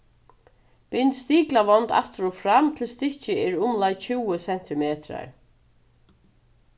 bint stiklavond aftur og fram til stykkið er umleið tjúgu sentimetrar